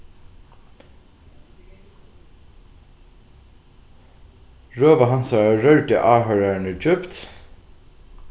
røða hansara rørdi áhoyrararnir djúpt